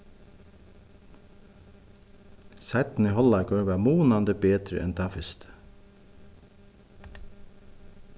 seinni hálvleikur var munandi betri enn tann fyrsti